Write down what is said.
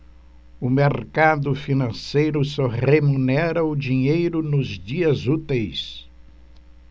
o mercado financeiro só remunera o dinheiro nos dias úteis